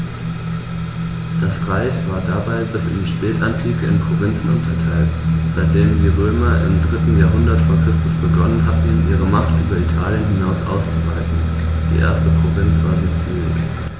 Das Reich war dabei bis in die Spätantike in Provinzen unterteilt, seitdem die Römer im 3. Jahrhundert vor Christus begonnen hatten, ihre Macht über Italien hinaus auszuweiten (die erste Provinz war Sizilien).